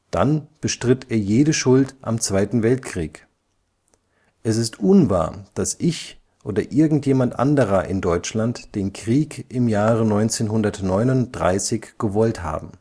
Dann bestritt er jede Schuld am Zweiten Weltkrieg: „ Es ist unwahr, daß ich oder irgendjemand anderer in Deutschland den Krieg im Jahre 1939 gewollt haben